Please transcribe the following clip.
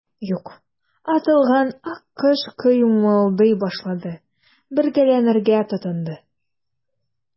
Юк, атылган аккош кыймылдый башлады, бәргәләнергә тотынды.